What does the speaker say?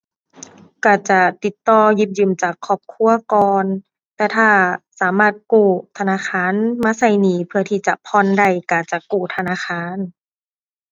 ก็จะติดต่อหยิบยืมจากครอบครัวก่อน แต่ถ้าสามารถกู้ธนาคารมาก็หนี้ เพื่อที่จะผ่อนได้ ก็จะกู้ธนาคาร